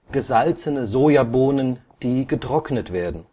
gesalzene Sojabohnen, die getrocknet werden